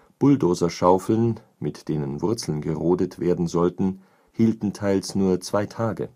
Bulldozerschaufeln, mit denen Wurzeln gerodet werden sollten, hielten teils nur zwei Tage